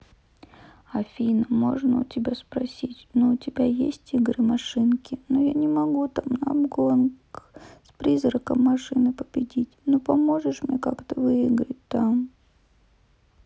афина можно у тебя спросить ну у тебя есть игры машинки но я не могу там на обгонах с призраком машины победить ну поможешь мне как то выиграть там